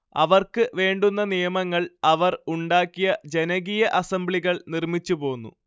അവർക്ക് വേണ്ടുന്ന നിയമങ്ങൾ അവർ ഉണ്ടാക്കിയ ജനകീയ അസംബ്ലികൾ നിർമ്മിച്ചു പോന്നു